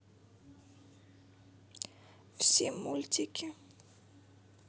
все мультики